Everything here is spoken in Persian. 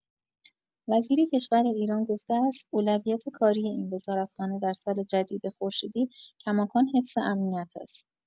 وزیر کشور ایران گفته است اولویت کاری این وزارت‌خانه در سال جدید خورشیدی کماکان حفظ امنیت است.